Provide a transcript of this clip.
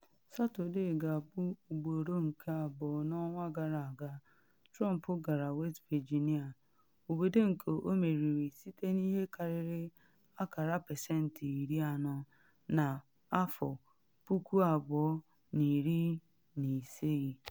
Satọde ga-abụ ugboro nke abụọ n’ọnwa gara aga Trump gara West Virginia, obodo nke o meriri site na ihe karịrị akara pesentị 40 na 2016.